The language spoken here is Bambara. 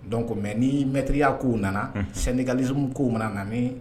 Donc, mais ni maître ya kow nana syndicalisme kow mana na